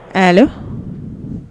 Ayiwa